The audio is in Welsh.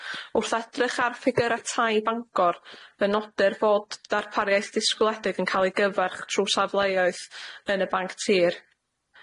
Wrth edrych ar ffigyrau tai Bangor fe nodir fod darpariaeth disgwyliedig yn cael ei gyfarch trw safleoedd yn y banc tir.